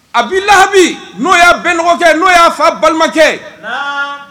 Abi Lahabi n'o ye a benɔgɔkɛ ye n'o y'a fa balimakɛ.